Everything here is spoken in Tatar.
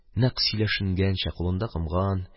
Нәкъ сөйләшенгәнчә, кулында комган.